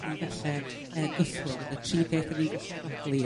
di falle' yrr gyffwrdd y tri peth 'dan ni'n gallu arogli